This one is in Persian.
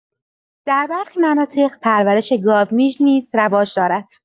در برخی مناطق، پرورش گاومیش نیز رواج دارد.